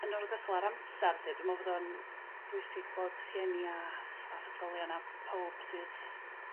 Yn or- ogys'al a'r amser 'lly dwi me'wl fod o'n bwysig bod rhieni a staff ysgolion a powb sydd